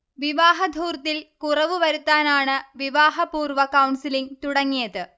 വിവാഹധൂർത്തിൽ കുറവ് വരുത്താനാണ് വിവാഹപൂർവ്വ കൗൺസിലിങ് തുടങ്ങിയത്